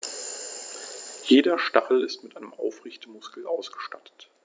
Jeder Stachel ist mit einem Aufrichtemuskel ausgestattet.